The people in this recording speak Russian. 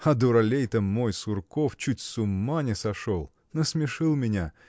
А дуралей-то мой, Сурков, чуть с ума не сошел. Насмешил меня.